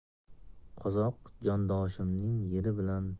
qozoq jondoshimning yeri bilan